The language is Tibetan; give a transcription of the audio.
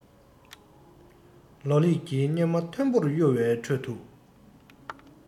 ལོ ལེགས ཀྱི སྙེ མ མཐོན པོར གཡོ བའི ཁྲོད དུ